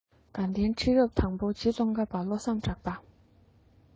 དགའ ལྡན ཁྲི རབས དང པོ རྗེ ཙོང ཁ པ བློ བཟང གྲགས པ